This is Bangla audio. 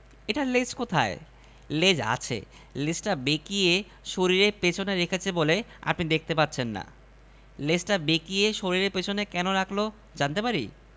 এটার লেজ কোথায় লেজ আছে লেজটা বেঁকিয়ে শরীরের পেছনে রেখেছে বলে আপনি দেখতে পাচ্ছেন না লেজটা বেঁকিয়ে শরীরের পেছনে কেন রাখল জানতে পারি